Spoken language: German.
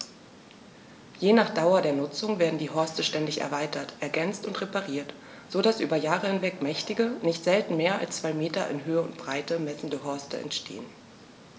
Je nach Dauer der Nutzung werden die Horste ständig erweitert, ergänzt und repariert, so dass über Jahre hinweg mächtige, nicht selten mehr als zwei Meter in Höhe und Breite messende Horste entstehen.